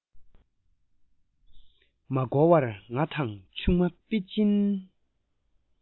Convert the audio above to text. མ འགོར བར ང དང ཆུང མ པེ ཅིན